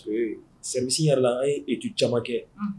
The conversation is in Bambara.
Sɛmisɛnyala a ye edu caman kɛ